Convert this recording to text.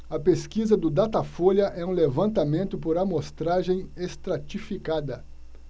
a pesquisa do datafolha é um levantamento por amostragem estratificada